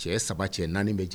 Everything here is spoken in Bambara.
Cɛ saba cɛ naani bɛ jɛ